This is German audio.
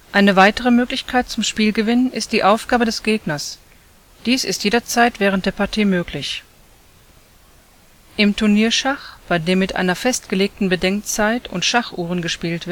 Eine weitere Möglichkeit zum Spielgewinn ist die Aufgabe des Gegners, dies ist jederzeit während der Partie möglich. Im Turnierschach, bei dem mit einer festgelegten Bedenkzeit und Schachuhren gespielt